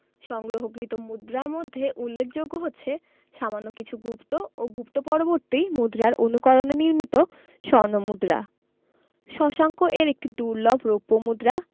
সংগ্রহকৃত মুদ্রার মধ্যে উল্লেখযোগ্য হচ্ছে সামান্য কিছু গুপ্ত ও গুপ্ত পরবর্তী মুদ্রার অনুকরণে নির্মিত স্বর্ণ মুদ্রা শশাঙ্ক এর একটি দুর্লভ রৌপ্য মুদ্রা